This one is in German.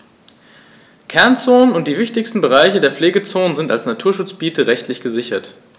Kernzonen und die wichtigsten Bereiche der Pflegezone sind als Naturschutzgebiete rechtlich gesichert.